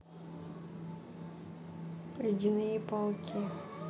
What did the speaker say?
ледяные пауки